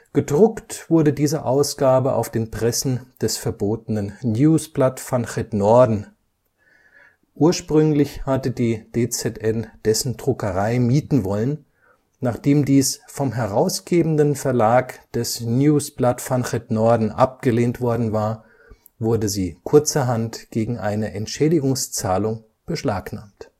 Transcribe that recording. Gedruckt wurde diese Ausgabe auf den Pressen des verbotenen Nieuwsblad van het Noorden. Ursprünglich hatte die DZN dessen Druckerei mieten wollen, nachdem dies vom herausgebenden Verlag des Nieuwsblad van het Noorden abgelehnt worden war, wurde sie kurzerhand gegen eine Entschädigungszahlung beschlagnahmt